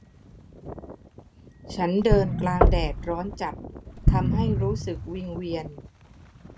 ฉันเดินกลางแดดร้อนจัดทำให้รู้สึกวิงเวียน